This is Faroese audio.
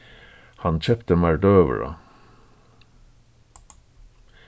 hann keypti mær døgurða